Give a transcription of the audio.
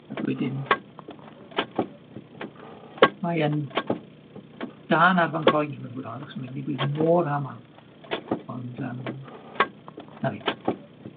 Ag wedyn mae yn dân ar fy nghroen i mewn gwirionedd achos mae'n digwydd mor amal, ond yym 'na fi.